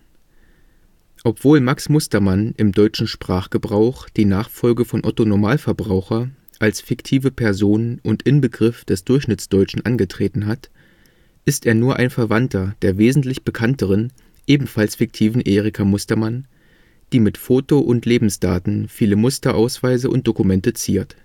Obwohl Max Mustermann im deutschen Sprachgebrauch die Nachfolge von Otto Normalverbraucher als fiktive Person und Inbegriff des Durchschnittsdeutschen angetreten hat, ist er nur ein Verwandter der wesentlich bekannteren, ebenfalls fiktiven Erika Mustermann, die mit Foto und Lebensdaten viele Musterausweise und Dokumente ziert